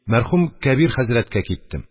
Мәрхүм кәбир хәзрәткә киттем.